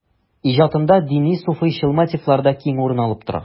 Иҗатында дини-суфыйчыл мотивлар да киң урын алып тора.